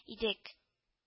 Идек